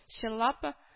— чынлапы